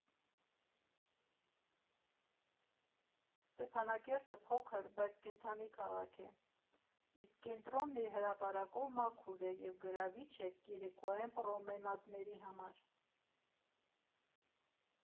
Ստեփանակերտը փոքր, բայց կենդանի քաղաք է, իսկ կենտրոնն իր հրապարակով մաքուր և գրավիչ է երեկոյան պռոմենադների համար։